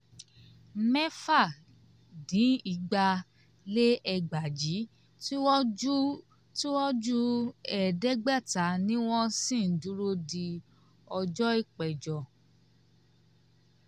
Àbájade ìwádìí Àgbáríjọ àwọn ọmọ Burundi tó ń rí sí dídábòòbo ẹ̀tọ́ ọmọniyàn àti àwọn tí wọ́n fi òfin dè mọ́lẹ̀ (APRODH) ti March fi hàn pé àwọn ẹlẹ́wọ̀n 13,532 ni Burundi, tí wọ́n lé ní ìlọ́po mẹ́ta 4,194; tí wọ́n ju 5,000 ni wọn ṣì ń dúró di ọjọ́ ìpẹ̀jọ́.